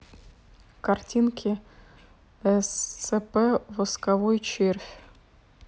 картинки scp восковой червь